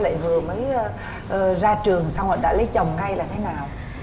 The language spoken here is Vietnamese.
vừa mới ờ ra trường xong đã lấy chồng ngay là thế nào